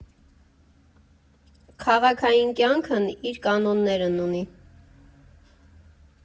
Քաղաքային կյանքն իր կանոններն ունի։